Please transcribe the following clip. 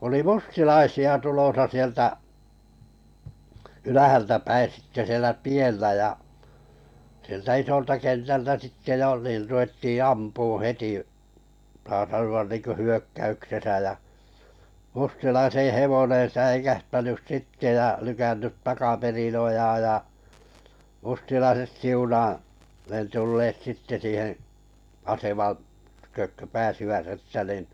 oli mustalaisia tulossa sieltä ylhäältäpäin sitten siellä tiellä ja sieltä isolta kentältä sitten jo niin ruvettiin ampumaan heti saa sanoa niin kuin hyökkäyksessä ja mustalaisen hevonen säikähtänyt sitten ja lykännyt takaperin ojaan ja mustalaiset siunaa ne tulleet sitten siihen aseman tykö kun pääsivät että niin